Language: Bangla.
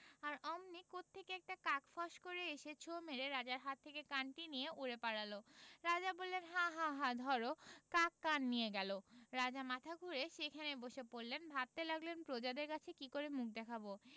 আর অমনি কোত্থেকে একটা কাক ফস্ করে এসে ছোঁ মেরে রাজার হাত থেকে কানটি নিয়ে উড়ে পালাল রাজা বললেন হাঁ হাঁ হাঁ ধরো কাক কান নিয়ে গেল রাজা মাথা ঘুরে সেইখানে বসে পড়লেন ভাবতে লাগলেন প্রজাদের কাছে কী করে মুখ দেখাব